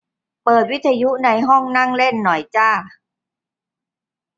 เปิดวิทยุในห้องนั่งเล่นหน่อยจ้า